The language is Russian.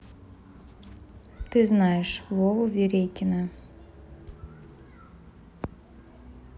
ты знаешь вову верейкина